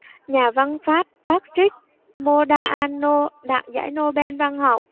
nhà văn pháp patrick modiano đoạt giải nobel văn học